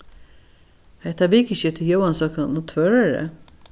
hetta vikuskiftið er jóansøkan á tvøroyri